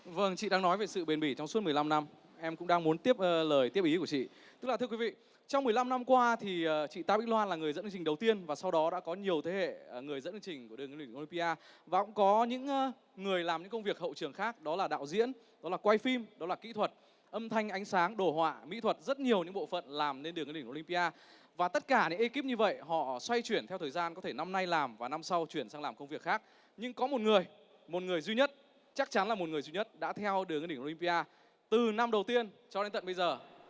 vâng chị đang nói về sự bền bỉ trong suốt mười lăm năm em cũng đang muốn tiếp lời tiếp ý của chị tức là thưa quý vị trong mười lăm năm qua thì chị tạ bích loan là người dẫn đầu tiên và sau đó đã có nhiều thế hệ người dẫn chương trình của đường lên đỉnh ô lim bi a và có những người làm những công việc hậu trường khác đó là đạo diễn đó là quay phim đó là kỹ thuật âm thanh ánh sáng đồ họa mỹ thuật rất nhiều những bộ phận làm nên đường lên đỉnh ô lim bi a và tất cả những ê kíp như vậy họ xoay chuyển theo thời gian có thể năm nay làm và năm sau chuyển sang làm công việc khác nhưng có một người một người duy nhất chắc chắn là một người duy nhất đã theo đường lên đỉnh ô lim bi a từ năm đầu tiên cho đến tận bây giờ